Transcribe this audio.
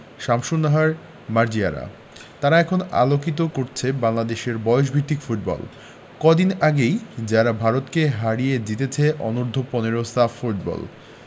শামসুন্নাহার মার্জিয়ারা তারা এখন আলোকিত করছে বাংলাদেশের বয়সভিত্তিক ফুটবল কদিন আগেই যারা ভারতকে হারিয়ে জিতেছে অনূর্ধ্ব ১৫ সাফ ফুটবল